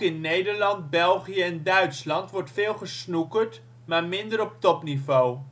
Nederland, België en Duitsland wordt veel gesnookerd, maar minder op topniveau